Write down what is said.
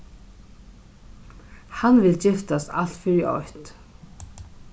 hann vil giftast alt fyri eitt